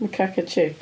Macaque chick.